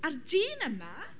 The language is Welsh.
A'r dyn yma...